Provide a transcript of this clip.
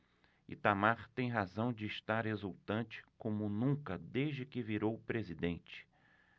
itamar tem razão de estar exultante como nunca desde que virou presidente